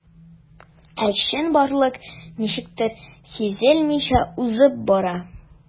Ә чынбарлык ничектер сизелмичә узып бара.